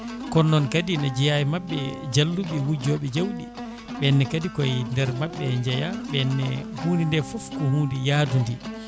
kono noon kadi ne jeeya e mabɓe jalluɓe wujjuɓe jawɗi ɓenne kadi koye nder mabɓe jeeya ɓenne hunde nde foof ko hunde yaadude